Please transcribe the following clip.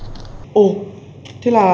ô thế là